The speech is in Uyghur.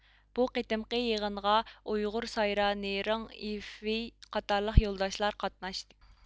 بۇ قېتىمقى يىغىنغا ئۇيغۇر سايرانىرېڭ يىفېي قاتارلىق يولداشلار قاتناشتى